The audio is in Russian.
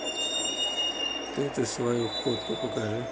ты ты свою фотку покажи